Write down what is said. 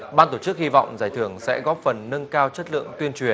ban tổ chức hy vọng giải thưởng sẽ góp phần nâng cao chất lượng tuyên truyền